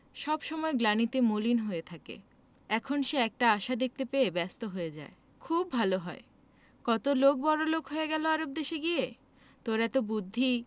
সব সময় গ্লানিতে মলিন হয়ে থাকে এখন সে একটা আশা দেখতে পেয়ে ব্যস্ত হয়ে যায় খুব ভালো হয় কত লোক বড়লোক হয়ে গেল আরব দেশে গিয়ে তোর এত বুদ্ধি